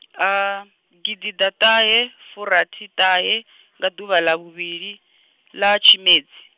gidiḓaṱahefurathiṱahe, nga ḓuvha ḽa vhuvhili, ḽa tshimedzi.